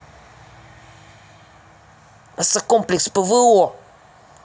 оса комплекс пво